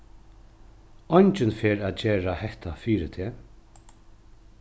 eingin fer at gera hetta fyri teg